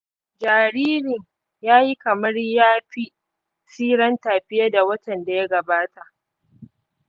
jaririn ya yi kamar ya fi siranta fiye da watan da ya gabata.